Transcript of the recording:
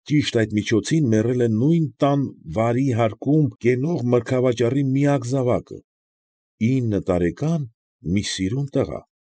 Ճիշտ այդ միջոցին մեռել է նույն տան վարի հարկում կենող մրգավաճառի միակ զավակը֊ ինը տարեկան մի սիրուն տղա։